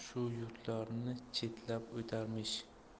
shu yurtlarni chetlab o'tarmish